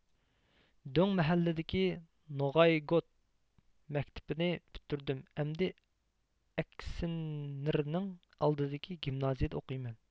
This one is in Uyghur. دۆڭمەھەللىدىكى نوغايگوت مەكتىپىنى پۈتتۈردۈم ئەمدى ئەكسىنىرنىڭ ئالدىدىكى گىمنازىيىدە ئوقۇيمەن